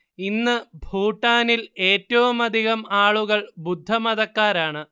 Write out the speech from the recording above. ഇന്ന് ഭൂട്ടാനിൽ ഏറ്റവുമധികം ആളുകൾ ബുദ്ധമതക്കാരാണ്